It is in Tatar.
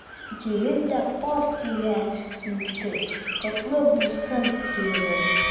Икегез дә пар килгәнсез— котлы булсын туегыз!